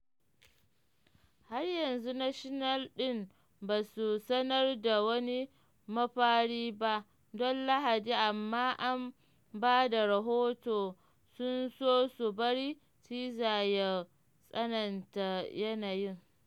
Har yanzu Nationals ɗin ba su sanar da wani mafari ba don Lahadi amma an ba da rahoto sun so su bari Scherzer ya tsananta yanayin.